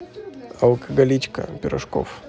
алкоголичка пирожков